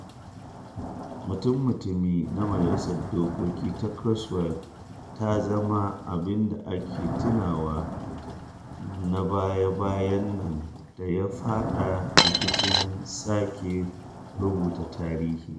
Mutum-mutumi na Majalisar Dokoki ta Cromwell ta zama abin da ake tunawa na baya-bayan nan da ya faɗa ‘rikicin sake rubuta tarihi’